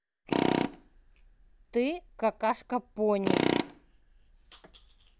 ты какашка пони